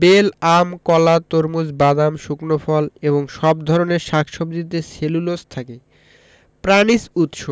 bell আম কলা তরমুজ বাদাম শুকনো ফল এবং সব ধরনের শাক সবজিতে সেলুলোজ থাকে প্রানিজ উৎস